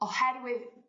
oherwydd